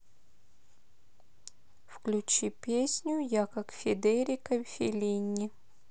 включи песню я как федерико феллини